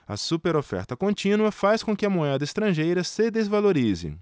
a superoferta contínua faz com que a moeda estrangeira se desvalorize